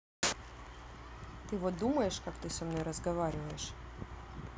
ты вот думаешь как ты со мной разговариваешь